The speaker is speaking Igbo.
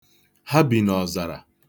Ha bi n'ọzara.